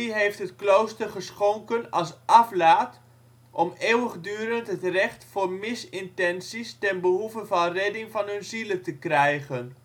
heeft het klooster geschonken als aflaat om eeuwigdurend het recht voor misintenties ten behoeve van redding van hun zielen te krijgen